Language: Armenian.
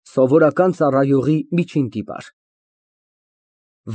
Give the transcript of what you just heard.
Սովորական ծառայողի միջին տիպար։